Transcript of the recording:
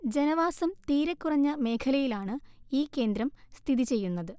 ജനവാസം തീരെക്കുറഞ്ഞ മേഖലയിലാണ് ഈ കേന്ദ്രം സ്ഥിതി ചെയ്യുന്നത്